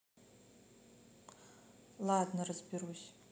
ладно разберусь